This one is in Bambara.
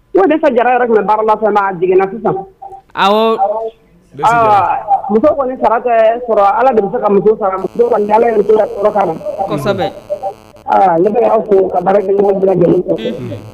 N cɛ fana tun bɛ Jara baarala fana, a jigi na sisan, awɔ, muso sara t'ɛ sɔrɔ, allah de bɛ se ka muso sara, kosɛbɛ, aa ne b ɛanw fo ka baarakɛɲɔgɔn bɛɛlajlen fo, unhun.